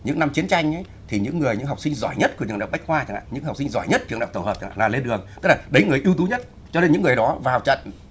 những năm chiến tranh thì những người những học sinh giỏi nhất của trường bách khoa chẳng hạn những học sinh giỏi nhất trường học tổ hợp tác là lấy được đấy người ưu tú nhất cho những người đó vào trận